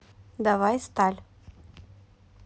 давай сталь